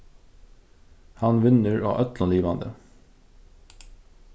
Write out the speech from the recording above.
hann vinnur á øllum livandi